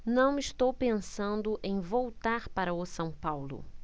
não estou pensando em voltar para o são paulo